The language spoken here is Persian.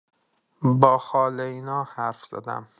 با خاله اینا حرف زدم